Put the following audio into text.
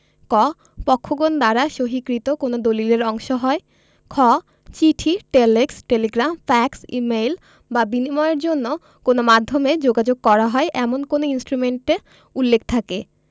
ক পক্ষগণ দ্বারা সহিকৃত কোন দলিলের অংশ হয় খ চিঠি telex telegram fax email বা বিনিময়ের জন্য কোন মাধ্যমে যোগাযোগ করা হয় এমন কোন ইনষ্ট্রুমেন্টে উল্লেখ থাকে